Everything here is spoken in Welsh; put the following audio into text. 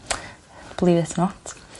believe it or not.